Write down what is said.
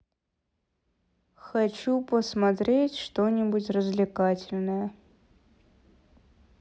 хочу посмотреть что нибудь развлекательное